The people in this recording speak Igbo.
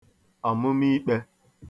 ọ̀mụmikpē